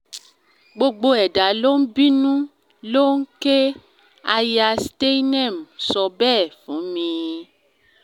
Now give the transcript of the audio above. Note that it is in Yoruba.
”Gbogbo ẹ̀dá ló ń binú, ló ń ké,” Aya Steinem sọ bẹ́ẹ̀ fún mi.